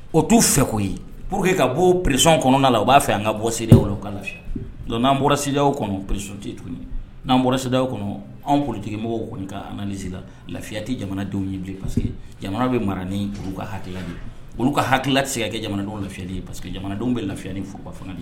O t'u fɛ ko ye po que ka bɔ presi kɔnɔ la o u b'a fɛ an ka bɔ ka lafi don n'an bɔrasiw kɔnɔ presion tɛ tun n'an bɔraw kɔnɔ anw kolontigi mɔgɔw kɔni kaanila lafiya tɛ jamanadenw' bilen paseke jamana bɛ mara ni juru ka haya ye olu ka hakilila se ka kɛ jamanadenw lafiya ye pa que jamanadenw bɛ lafiya ni fba fana ye